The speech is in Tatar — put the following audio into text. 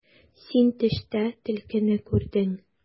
Син төштә төлкене күрдең.